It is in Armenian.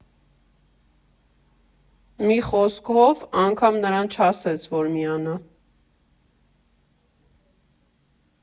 Մի խոսքով, անգամ նրան չասեց, որ միանա։